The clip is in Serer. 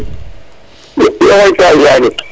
maxey xoyta o Diané